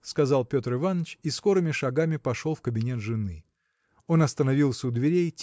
– сказал Петр Иваныч и скорыми шагами пошел в кабинет жены. Он остановился у дверей